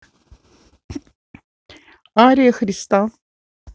ария христа